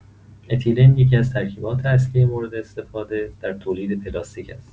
اتیلن یکی‌از ترکیبات اصلی مورداستفاده در تولید پلاستیک است.